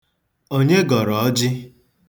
Onye gọrọ ọjị?